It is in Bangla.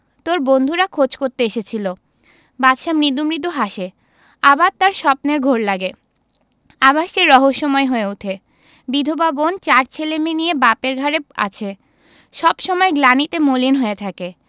তোর বন্ধুরা খোঁজ করতে এসেছিলো বাদশা মৃদু মৃদু হাসে আবার তার স্বপ্নের ঘোর লাগে আবার সে রহস্যময় হয়ে উঠে বিধবা বোন চার ছেলেমেয়ে নিয়ে বাপের ঘাড়ে আছে সব সময় গ্লানিতে মলিন হয়ে থাকে